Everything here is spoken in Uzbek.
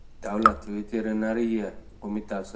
davlat veterinariya qo'mitasi